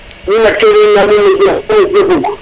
mi mat kene mi moƴ no bug